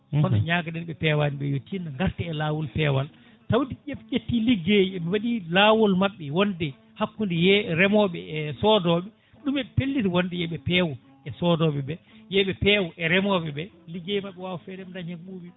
mboɗo ñaagono ɓe pewani ɓe yo tinno garta e lawol peewal tawde ƴefti ƴetti liggey mi waɗi lawol mabɓe wonde hakkude yee remoɓe e sodoɓe ɗum eɓe pelliti wonde yoɓe peew e sodoɓeɓe yoɓe peew e remoɓeɓe liggey mabɓe wawa fewde ɓe daña hen ko ɓuuɓiɓe